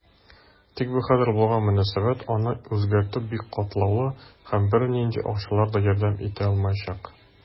Тик бу хәзер булган мөнәсәбәт, аны үзгәртү бик катлаулы, һәм бернинди акчалар да ярдәм итә алмаячак.